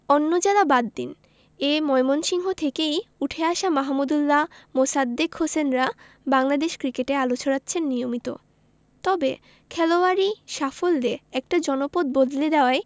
অন্য জেলা বাদ দিন এ ময়মনসিংহ থেকেই উঠে আসা মাহমুদউল্লাহ মোসাদ্দেক হোসেনরা বাংলাদেশ ক্রিকেটে আলো ছড়াচ্ছেন নিয়মিত তবে খেলোয়াড়ি সাফল্যে একটা জনপদ বদলে দেওয়ায়